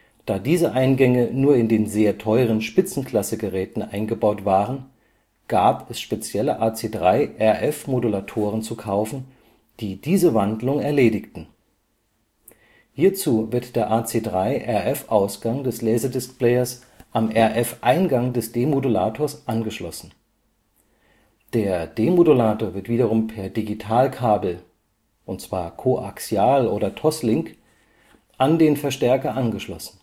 Da diese Eingänge nur in den sehr teuren Spitzenklassegeräten eingebaut waren, gab (und gibt) es spezielle AC3-RF-Demodulatoren zu kaufen, die diese Wandlung (AC-3 RF auf AC-3 S/PDIF) erledigen. Hierzu wird der AC3-RF-Ausgang des Laserdiscplayers am RF-Eingang des Demodulators angeschlossen. Der Demodulator wird wiederum per Digitalkabel (Koaxial oder Toslink) an den Verstärker angeschlossen